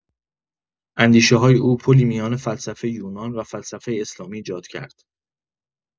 اندیشه‌های او پلی میان فلسفه یونان و فلسفه اسلامی ایجاد کرد.